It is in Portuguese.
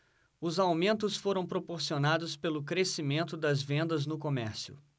os aumentos foram proporcionados pelo crescimento das vendas no comércio